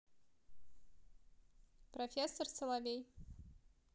профессор соловей